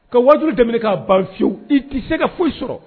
Ka wariuru dɛmɛ k'a ban fiyewu i tɛi se ka foyi sɔrɔ